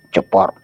Jabaru